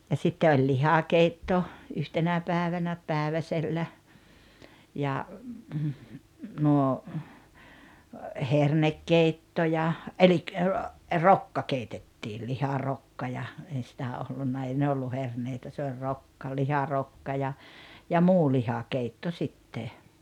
ja sitten oli lihakeitto yhtenä päivänä päiväsellä ja nuo hernekeitto ja eli rokka keitettiin liharokka ja ei sitä ollut ei ne ollut herneitä se oli rokka liharokka ja ja muu lihakeitto sitten